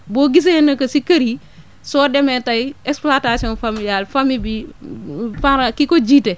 boo gisee ne que si kër yi soo demee tey exploitation familiale famille bi parent ki ko jiite